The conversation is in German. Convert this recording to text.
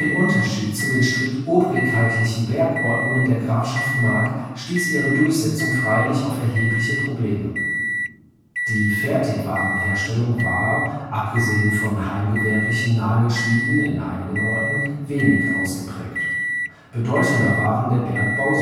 Unterschied zu den strikt obrigkeitlichen Bergordnungen der Grafschaft Mark stieß ihre Durchsetzung freilich auf erhebliche Probleme. Die Fertigwarenherstellung war – abgesehen von heimgewerblichen Nagelschmieden in einigen Orten – wenig ausgeprägt. Bedeutender waren der Bergbau